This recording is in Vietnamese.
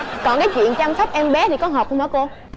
còn cái việc chăm sóc em bé thì có hợp không hả cô